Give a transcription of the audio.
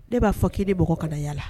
Ne b'a fɔ k'i ne b bɔ ka yalala